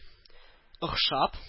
Охшап